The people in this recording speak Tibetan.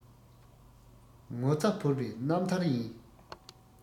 ངོ ཚ བོར བའི རྣམ ཐར ཡིན